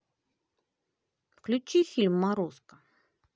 включи фильм морозко